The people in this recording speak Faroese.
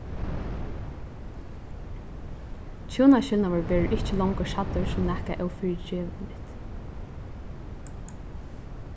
hjúnaskilnaður verður ikki longur sæddur sum nakað ófyrigeviligt